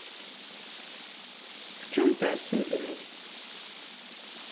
в чем ты особенный